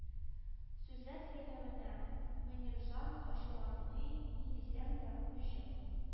Сүзләр сөйләвенә мөнирҗан ачуланмый, ни дисәң дә, «уҗым»